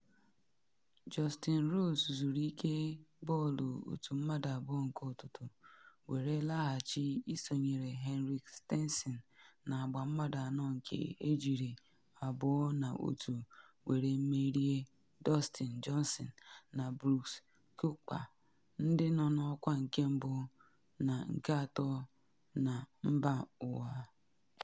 Justin Rose zuru ike bọọlụ otu mmadụ abụọ nke ụtụtụ, were laghachi isonyere Henrik Stenson na agba mmadụ anọ nke ejiri 2&1 were merie Dustin Johnson na Brooks Koepka-ndị nọ n’ọkwa nke mbu na nke atọ na mba ụwa.